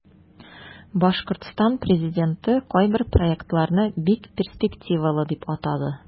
Башкортстан президенты кайбер проектларны бик перспективалы дип атады.